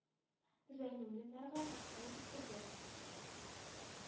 Зәйнуллиннарга рәхмәт җиткерде.